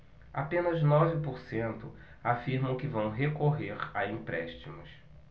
apenas nove por cento afirmam que vão recorrer a empréstimos